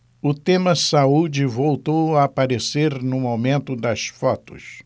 o tema saúde voltou a aparecer no momento das fotos